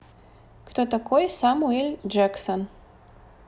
кто такой самуэль джексон